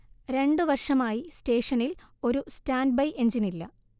രണ്ടു വർഷമായി സ്റ്റേഷനിൽ ഒരു സ്റ്റാന്റ് ബൈ എഞ്ചിനില്ല